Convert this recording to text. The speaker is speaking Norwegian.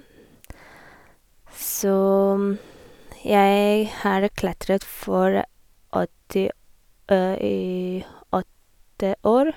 Så jeg har klatret for åtti i åtte år.